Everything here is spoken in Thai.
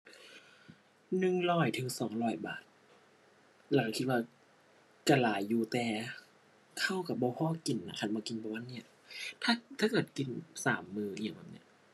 หนึ่งร้อยถึงสองร้อยบาท แล้วก็คิดว่าก็หลายอยู่ แต่ก็ก็บ่พอกินนะ คันว่ากินประมาณเนี้ย ถ้า ถ้าเกิดกินสามมื้ออิหยังแบบนี้